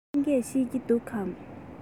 དབྱིན སྐད ཤེས ཀྱི འདུག གས